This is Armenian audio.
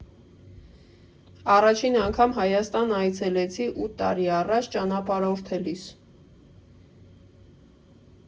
Առաջին անգամ Հայաստան այցելեցի ութ տարի առաջ՝ ճանապարհորդելիս։